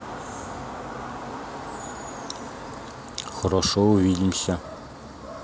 хорошо увидимся